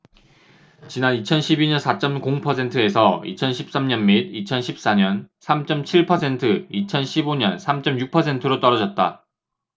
지난 이천 십 이 년 사 쩜 공 퍼센트에서 이천 십 삼 년 및 이천 십 사 년 삼 쩜 칠 퍼센트 이천 십 오 년 삼 쩜 육 퍼센트로 떨어졌다